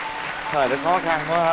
thời đó khó khăn quá ha